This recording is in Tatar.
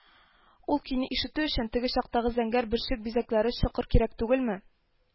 Ул көйне ишетү өчен теге чактагы зәңгәр бөрчек бизәкләре чокыр кирәк түгелме